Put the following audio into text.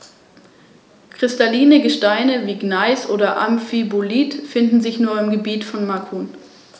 Die Stacheligel haben als wirksame Verteidigungswaffe Stacheln am Rücken und an den Flanken (beim Braunbrustigel sind es etwa sechs- bis achttausend).